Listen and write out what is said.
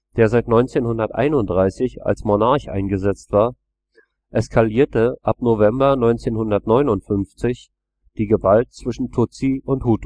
der seit 1931 als Monarch eingesetzt war, eskalierte ab November 1959 die Gewalt zwischen Hutu und Tutsi. Bevor